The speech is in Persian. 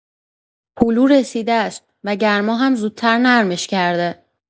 هلو رسیده‌ست و گرما هم زودتر نرمش کرده.